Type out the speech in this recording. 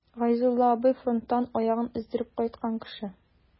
Гайзулла абый— фронттан аягын өздереп кайткан кеше.